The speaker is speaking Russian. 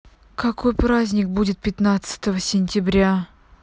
какой праздник будет пятнадцатого сентября